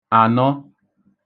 ànọ